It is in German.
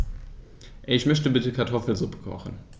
Ich möchte bitte Kartoffelsuppe kochen.